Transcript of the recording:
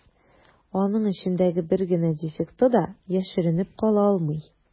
Аның эчендәге бер генә дефекты да яшеренеп кала алмый.